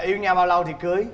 yêu nhau bao lâu thì cưới